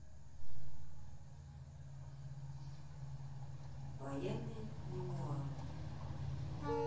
военные мемуары